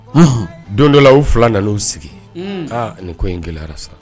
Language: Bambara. Don dɔ la u fila nan' sigi aa ni ko in gɛlɛyara sara